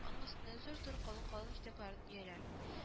Аның өстенә зур-зур, калын-калын китапларын өяләр